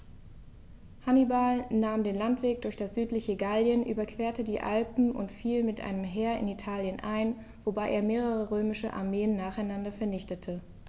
Hannibal nahm den Landweg durch das südliche Gallien, überquerte die Alpen und fiel mit einem Heer in Italien ein, wobei er mehrere römische Armeen nacheinander vernichtete.